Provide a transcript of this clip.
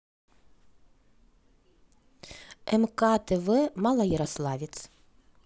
мк тв малоярославец